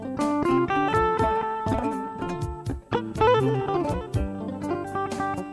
Maaunɛ mɛ